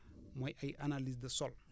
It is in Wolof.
mooy ay analyses de sol